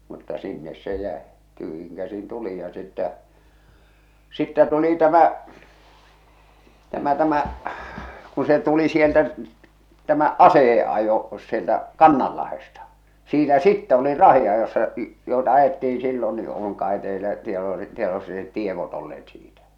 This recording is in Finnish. mutta sinne se jäi tyhjin käsin tulin ja sitten sitten tuli tämä tämä tämä kun se tuli sieltä tämä aseiden ajo sieltä Kannanlahdesta siinä sitten olin rahdinajossa joita ajettiin silloin niin on kai teillä tieto tiedossa ne tiedot olleet siitä